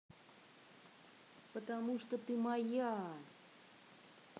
потому что ты моя